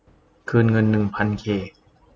คืนเงินหนึ่งพันเค